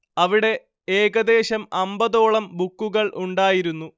അവിടെ ഏകദേശം അമ്പതോളം ബുക്കുകൾ ഉണ്ടായിരുന്നു